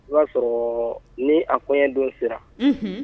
O y'a sɔrɔ ni a koɲɛdon sera